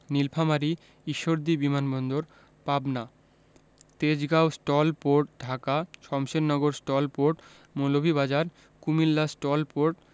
নিলফামারী ঈশ্বরদী বিমান বন্দর Pabna Tejgaon STOL port Dhaka Shamshernagar STOL port Moulvibazar Comilla STOL port